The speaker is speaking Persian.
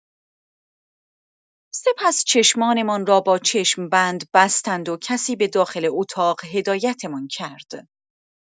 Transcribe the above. سپس چشمانمان را با چشم‌بند بستند و کسی به داخل اتاق هدایتمان کرد.